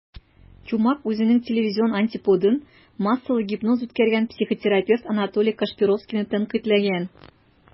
Чумак үзенең телевизион антиподын - массалы гипноз үткәргән психотерапевт Анатолий Кашпировскийны тәнкыйтьләгән.